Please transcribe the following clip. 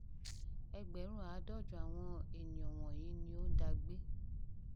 Ẹgbẹ̀rún 150 àwọn ènìyàn wọ̀nyí ni ó ń dá gbé.